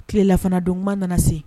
Tilelafana duntuma nana se